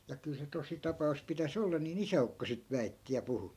ja kyllä se tositapaus pitäisi olla niin isäukko sitten väitti ja puhui